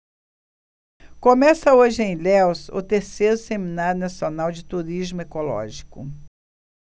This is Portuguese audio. começa hoje em ilhéus o terceiro seminário nacional de turismo ecológico